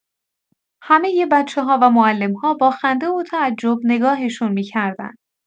همۀ بچه‌ها و معلم‌ها با خنده و تعجب نگاهشون می‌کردن.